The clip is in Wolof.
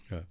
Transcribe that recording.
waa